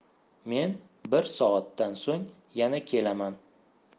men bir soatdan so'ng yana kelaman